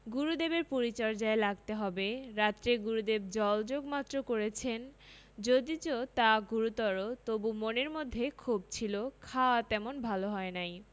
গুরুদেবের পরিচর্যায় লাগতে হবে রাত্রে গুরুদেব জলযোগ মাত্র করেছেন যদিচ তা গুরুতর তবু মনের মধ্যে ক্ষোভ ছিল খাওয়া তেমন ভাল হয় নাই